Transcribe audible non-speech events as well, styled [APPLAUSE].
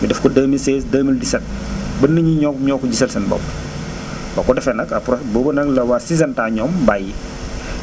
ñu def ko 2016 2017 [NOISE] ba nit ñi ñoo ñoo ko gisal seen bopp [NOISE] boo ko defee nag après boobu nag la waa Syngenta ñoom bàyyi [NOISE]